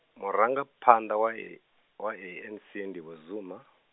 murangaphanḓa wa A wa ANC ndi Vho Zuma.